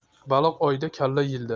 baliq oyda kalla yilda